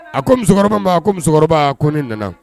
A ko musokɔrɔba ko musokɔrɔba ko ne nana